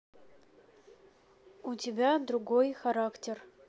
у тебя другой характер